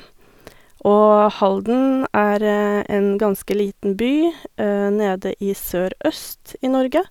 Og Halden er en ganske liten by nede i sørøst i Norge.